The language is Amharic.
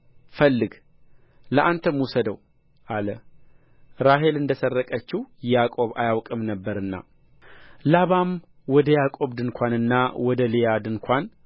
ፈልግ ለአንተም ውሰደው አለ ራሔል እንደ ሰረቀቻቸው ያዕቆብ አያውቅም ነበርና ላባም ወደ ያዕቆብ ድንኳንና ወደ ልያ ድንኳን